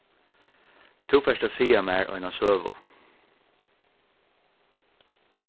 tú fert at siga mær eina søgu